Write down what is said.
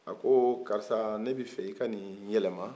a ko karisa ne b'a fɛ i ka nin yɛlɛma